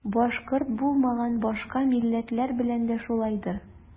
Башкорт булмаган башка милләтләр белән дә шулайдыр.